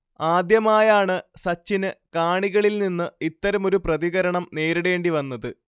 ആദ്യമായാണ് സച്ചിന് കാണികളിൽ നിന്ന് ഇത്തരമൊരു പ്രതികരണം നേരിടേണ്ടിവന്നത്